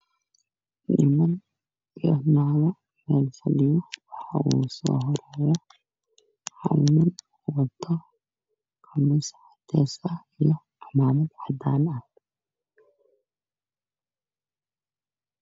Waa meel hool ah waxaa iskugu imaaday dad fara badan oo niman iyo naayo waxa ay ku fadhiyaan kuraas cadaan kiisas cadaan